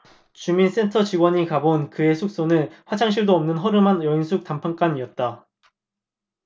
주민센터 직원이 가본 그의 숙소는 화장실도 없는 허름한 여인숙 단칸방이었다